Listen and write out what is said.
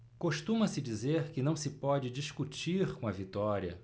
costuma-se dizer que não se pode discutir com a vitória